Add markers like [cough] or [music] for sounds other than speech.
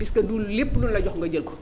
puisque du lépp [noise] lu énu la jox nga jël ko